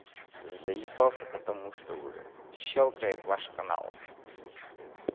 заебался потому что уже щелкает ваш канал